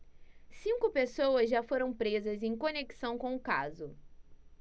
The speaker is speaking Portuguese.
cinco pessoas já foram presas em conexão com o caso